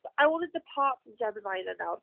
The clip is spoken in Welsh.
I want to depart from Gemma's island nawr.